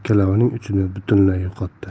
kelgan davron kalavaning uchini butunlay yo'qotdi